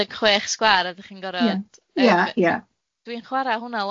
deg chwech sgwâr a da' chi'n gorod... Ia ia ia... dwi'n chwara hwnna